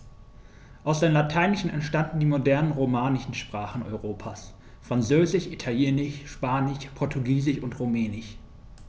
Aus dem Lateinischen entstanden die modernen „romanischen“ Sprachen Europas: Französisch, Italienisch, Spanisch, Portugiesisch und Rumänisch.